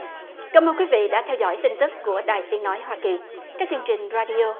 cảm ơn quý vị đã theo dõi tin tức của đài tiếng nói hoa kỳ các chương trình ra đi ô